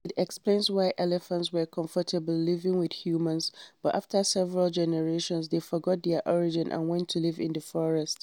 It explains why elephants were comfortable living with humans but, after several generations, they forgot their origins and went to live in the forest.